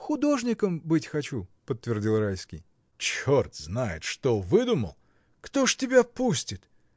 — Художником быть хочу, — подтвердил Райский. — Черт знает, что выдумал! Кто ж тебя пустит?